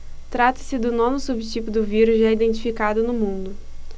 trata-se do nono subtipo do vírus já identificado no mundo